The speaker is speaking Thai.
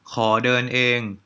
ขอเดินเอง